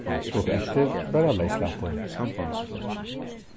stutt eftir varð hann leyslatin